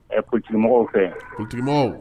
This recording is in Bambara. Ɛ pɔlitigimɔgɔw fɛ, pɔlitigimɔgɔw fɛ